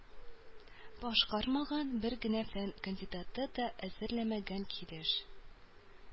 Башкармаган, бер генә фән кандидаты да әзерләмәгән килеш,